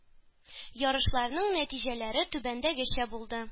Ярышларның нәтиҗәләре түбәндәгечә булды.